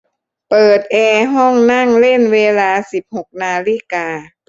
เปิดแอร์ห้องนั่งเล่นเวลาสิบหกนาฬิกา